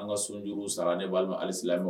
An ka sunj sara ne b'amu alisa